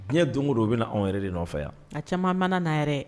Diɲɛ don o don u bɛ anw yɛrɛ de nɔfɛ yan a caman mana na yɛrɛ